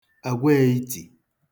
agwaēītì